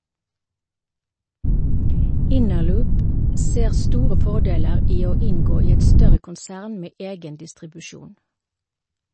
Innerloop ser store fordeler i å inngå i et større konsern med egen distribusjon.